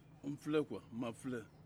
n filɛ quoi mafilɛ